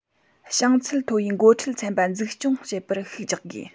བྱང ཚད མཐོ བའི འགོ ཁྲིད ཚན པ འཛུགས སྐྱོང བྱེད པར ཤུགས རྒྱག དགོས